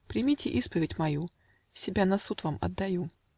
Примите исповедь мою: Себя на суд вам отдаю.